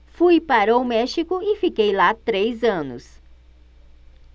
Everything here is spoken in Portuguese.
fui para o méxico e fiquei lá três anos